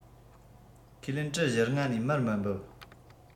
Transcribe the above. ཁས ལེན གྲི བཞི ལྔ ནས མར མི འབབ